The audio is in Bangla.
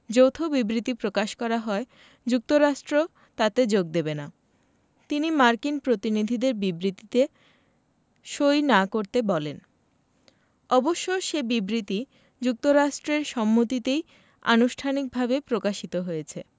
যৌথ বিবৃতি প্রকাশ করা হয় যুক্তরাষ্ট্র তাতে যোগ দেবে না তিনি মার্কিন প্রতিনিধিদের বিবৃতিতে সই না করতে বলেন অবশ্য সে বিবৃতি যুক্তরাষ্ট্রের সম্মতিতেই আনুষ্ঠানিকভাবে প্রকাশিত হয়েছে